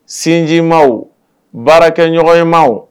Sinji ma baara kɛ ɲɔgɔn yema